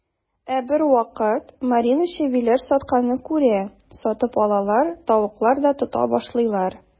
Ә бервакыт Марина чебиләр сатканны күрә, сатып алалар, тавыклар тота башлыйлар.